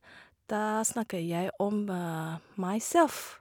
Da snakker jeg om meg selv.